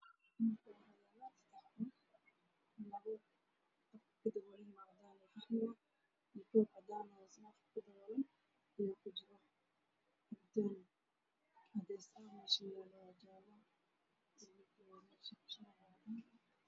Meeshaan waxaa yaalo saddex goob waxaa ku jiro kafee waxa ay saaran yihiin miis